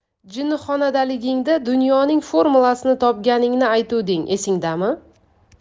jinnixonadaligingda dunyoning formulasini topganingni aytuv ding esingdami